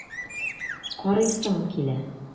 Карыйсым килә!